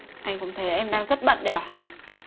anh không thấy em đang rất bận đây à